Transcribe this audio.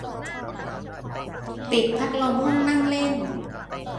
ปิดพัดลมห้องนั่งเล่น